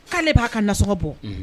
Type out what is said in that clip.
K'ale b'a ka nasɔgɔ bɔ